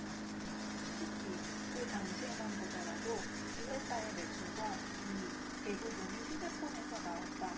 특히 그 당시에만 보더라도 이 회사의 매출과 이익 대부분이 휴대폰에서 나왔다